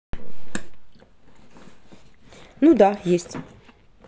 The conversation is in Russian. ну да есть